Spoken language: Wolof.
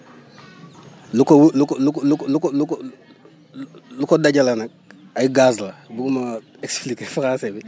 lu ko wu lu ko lu ko lu ko lu ko dajale nag ay gaz la bugguma expliquer français bi